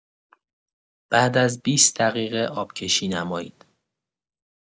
بعد از ۲۰ دقیقه آب‌کشی نمایید.